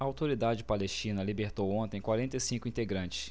a autoridade palestina libertou ontem quarenta e cinco integrantes